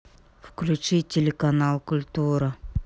включи телеканал культура